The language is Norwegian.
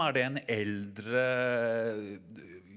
er det en eldre ?